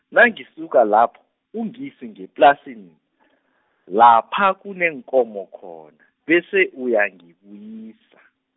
nangisuka lapho, ungise ngeplasini , lapha kuneenkomo khona, bese uyangibuyisa.